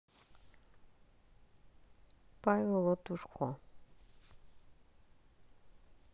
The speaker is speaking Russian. павел латушко